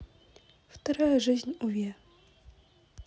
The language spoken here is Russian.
вторая жизнь уве